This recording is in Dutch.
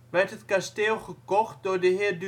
werd het kasteel gekocht door de heer